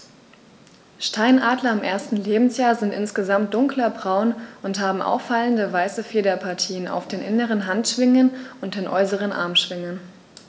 Steinadler im ersten Lebensjahr sind insgesamt dunkler braun und haben auffallende, weiße Federpartien auf den inneren Handschwingen und den äußeren Armschwingen.